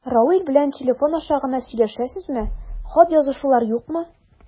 Равил белән телефон аша гына сөйләшәсезме, хат язышулар юкмы?